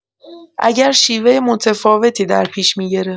اگر شیوه متفاوتی درپیش می‌گرفت